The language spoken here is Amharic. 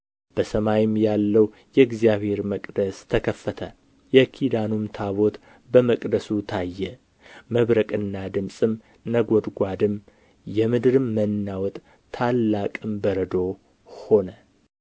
በሰማይም ያለው የእግዚአብሔር መቅደስ ተከፈተ የኪዳኑም ታቦት በመቅደሱ ታየ መብረቅና ድምፅም ነጐድጓድም የምድርም መናወጥ ታላቅም በረዶ ሆነ